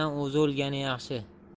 o'zi o'lgani yaxshi